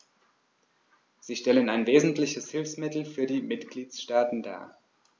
Sie stellen ein wesentliches Hilfsmittel für die Mitgliedstaaten dar.